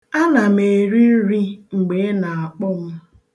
Ana m eri nri mgbe ị na-akpọ m.